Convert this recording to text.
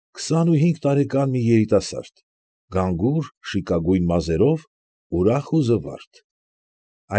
Քսանուհինգ տարեկան մի երիտասարդ գանգուր, շիկագույն մազերով, ուրախ ու գվարթ։